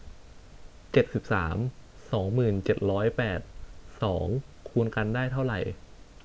เจ็ดสิบสามสองหมื่นเจ็ดร้อยแปดสองคูณกันได้เท่าไหร่